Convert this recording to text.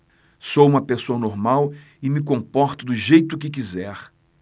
sou homossexual e me comporto do jeito que quiser